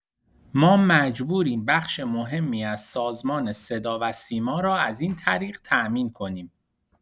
ما مجبوریم بخش مهمی از سازمان صداوسیما را از این طریق تامین کنیم.